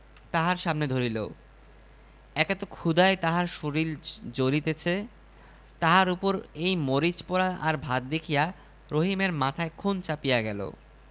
কত টেংরা পুঁটি পাবদা মাছ জালে আটকায় কিন্তু শোলমাছ আর আটকায় না রাত যখন শেষ হইয়া আসিয়াছে তখন সত্য সত্যই একটি শোলমাছ তাহার জালে ধরা পড়িল